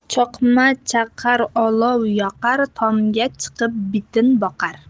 chaqmachoq olov yoqar tomga chiqib bitin boqar